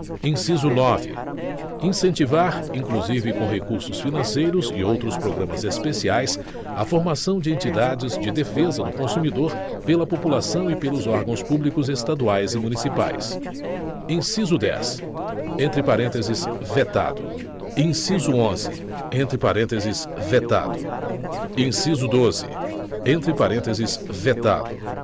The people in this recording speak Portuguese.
inciso nove incentivar inclusive com recursos financeiros e outros programas especiais a formação de entidades de defesa do consumidor pela população e pelos órgãos públicos estaduais e municipais inciso dez entre parênteses vetado inciso onze entre parênteses vetado inciso doze entre parênteses vetado